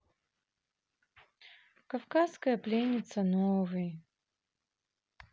кавказская пленница новый